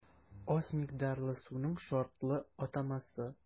Аз микъдарлы суның шартлы атамасы.